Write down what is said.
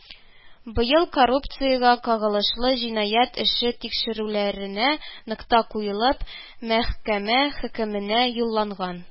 Быел коррупциягә кагылышлы җинаять эше тикшерүләренә нокта куелып, мәхкәмә хөкеменә юлланган